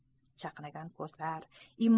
chaqnagan ko'zlar